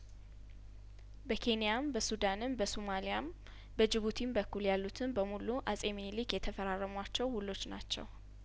በኬንያም በሱዳንም በሱማሊያም በጅቡቲም በኩል ያሉትን በሙሉ አጼ ሚንሊክ የተፈራረሟቸው ውሎች ናቸው